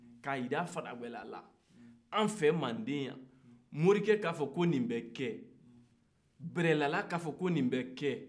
k'a jira farajɛla la an fɛ manden yan morikɛ k'a fɔ ko nin bɛ kɛ bɛrɛdala k'a fɔ ko nin bɛ kɛ